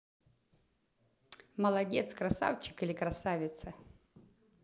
молодец красавчик или красавица